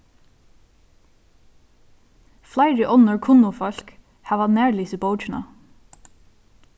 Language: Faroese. fleiri onnur kunnug fólk hava nærlisið bókina